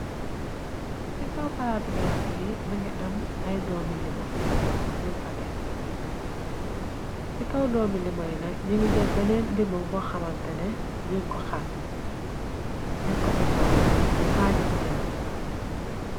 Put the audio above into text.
Ci kaw pala bi weex bi më ngi am ay doomi limoon yun fa tekk ci kaw doomi limoon yina ñu ngi jër beneen limon bo xamantene ñën ko xar tekko ci kaw xaajiti limo.